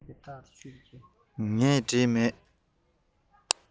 ངས བྲིས མེད